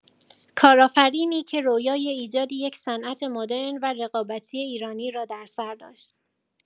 کارآفرینی که رؤیای ایجاد یک صنعت مدرن و رقابتی ایرانی را در سر داشت.